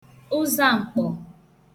ụza m̀kpọ̀